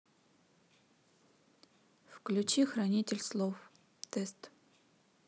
включи хранитель слов тест